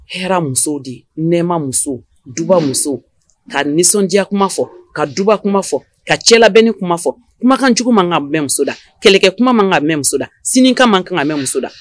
Hɛra muso de, nɛma muso, duba muso, ka nisɔndiya kuma fɔ, ka duba kuma fɔ, ka cɛla bɛnni kuma fɔ, kumakanjugu ma kan ka mɛn muso da, kɛlɛkɛ kuma ma kan ka mɛn muso da, sini kan ma kan ka mɛn muso da.